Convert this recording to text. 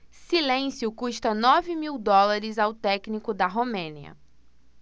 silêncio custa nove mil dólares ao técnico da romênia